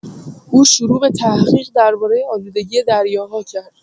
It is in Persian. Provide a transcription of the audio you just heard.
او شروع به تحقیق درباره آلودگی دریاها کرد.